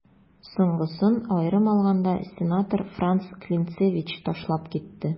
Соңгысын, аерым алганда, сенатор Франц Клинцевич ташлап китте.